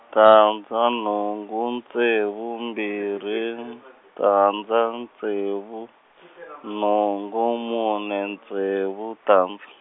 tandza nhungu ntsevu mbirhi, tandza ntsevu, nhungu mune ntsevu tandza.